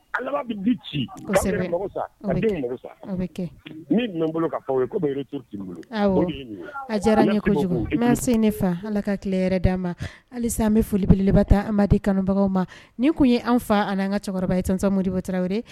Diyara ma se ne fa ala ka tile yɛrɛ di an ma hali an bɛ folibele ta anba di kanubagaw ma nin tun ye an fa ani anan ka cɛkɔrɔba ye sansamodibotawu